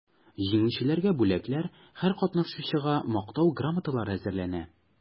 Җиңүчеләргә бүләкләр, һәр катнашучыга мактау грамоталары әзерләнә.